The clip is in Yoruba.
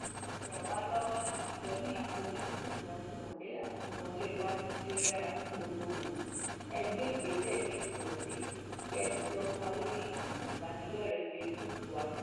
Ẹ ràn wá lọ́wọ́ láti jọ ní àfojúsùn Nelson Mandela fún ọjọ́ iwájú tí ó dára fún gbogbogbò, ẹ gbé ìgbésẹ̀ ní òpin ọ̀sẹ̀ yìí, kí ẹ sì sọ fún wa lórí ìkànnì ìbánidọ́rẹ̀ẹ́ Facebook wá.